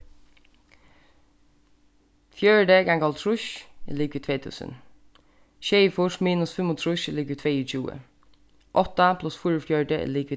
fjøruti ganga hálvtrýss er ligvið tvey túsund sjeyogfýrs minus fimmogtrýss er ligvið tveyogtjúgu átta pluss fýraogfjøruti er ligvið